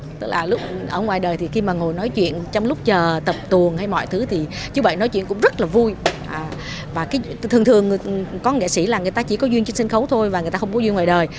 tức là lúc ở ngoài đời thì khi mà ngồi nói chuyện trong lúc chờ tập tuồng hay mọi thứ thì chú bảy nói chuyện cũng rất là vui à và cái thường thường có nghệ sĩ là người ta chỉ có duyên trên sân khấu thôi và người ta không có duyên ngoài đời